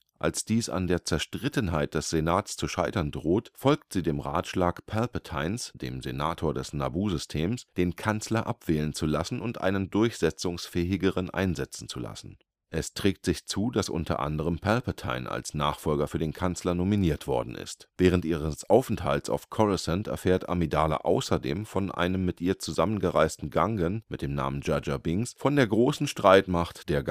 Als dies an der Zerstrittenheit des Senats zu scheitern droht, folgt sie dem Ratschlag Palpatines, dem Senator des Naboo-Systems, den Kanzler abwählen zu lassen und einen durchsetzungsfähigeren einsetzen zu lassen. Es trägt sich zu, dass u. a. Palpatine als Nachfolger für den Kanzler nominiert worden ist. Während ihres Aufenthalts auf Coruscant erfährt Amidala außerdem von einem mit ihr zusammen gereisten Gungan mit dem Namen Jar Jar Binks, von der großen Streitmacht der